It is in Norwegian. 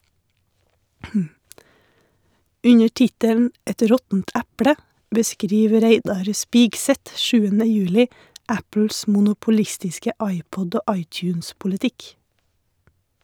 Under tittelen "Et råttent eple" beskriver Reidar Spigseth 7. juli Apples monopolistiske iPod- og iTunes-politikk.